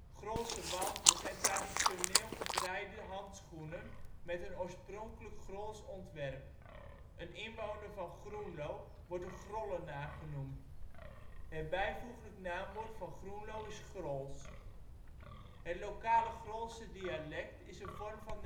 Grolse wanten zijn traditioneel gebreide handschoenen met een oorspronkelijk Grols ontwerp. Een inwoner van Groenlo wordt een Grollenaar genoemd. Het bijvoeglijk naamwoord van Groenlo is Grols. Het lokale Grolse dialect is een vorm van